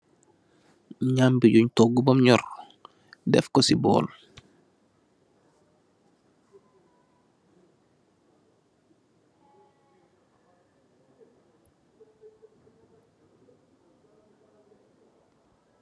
Ñaabi jun tooog bem ñoor, dèf ko ci bool.